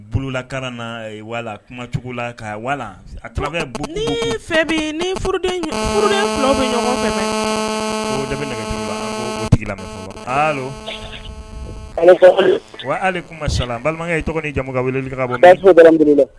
Lakararan' walacogo la ka a bɛ bon ni ni furuden wa hali kuma sala balimakɛ i jamu ka wele